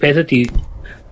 peth ydi